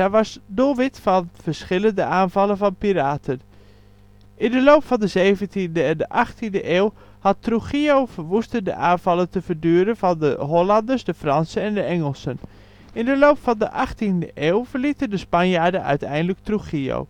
was doelwit van verschillende aanvallen van piraten. In de loop van de 17e en de 18e eeuw had Trujillo verwoestende aanvallen te verduren van de Hollanders, de Fransen en de Engelsen. In de loop van de 18e eeuw verlieten de Spanjaarden uiteindelijk Trujillo